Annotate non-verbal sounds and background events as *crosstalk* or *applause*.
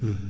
*hesitation* *hesitation*